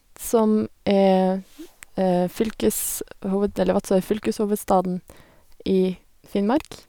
som er fylkeshoved eller Vadsø er fylkeshovedstaden i Finnmark.